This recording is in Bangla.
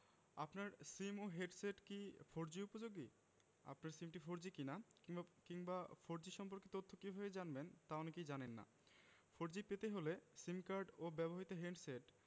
জীবনযাপন আপনার সিম ও হ্যান্ডসেট কি ফোরজি উপযোগী আপনার সিমটি ফোরজি কিনা কিংবা ফোরজি সম্পর্কে তথ্য কীভাবে জানবেন তা অনেকেই জানেন না ফোরজি পেতে হলে সিম কার্ড ও ব্যবহৃত হ্যান্ডসেট